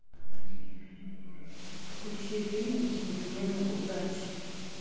включи фильм джентльмены удачи